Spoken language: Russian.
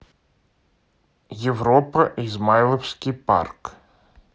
европа измайловский парк